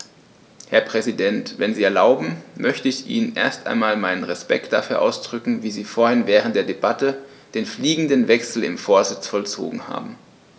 Herr Präsident, wenn Sie erlauben, möchte ich Ihnen erst einmal meinen Respekt dafür ausdrücken, wie Sie vorhin während der Debatte den fliegenden Wechsel im Vorsitz vollzogen haben.